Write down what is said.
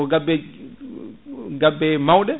ko gabbe gabbe mawɗe